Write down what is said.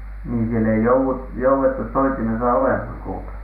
niin siellä ei - joudettu soitimessa olemaan kun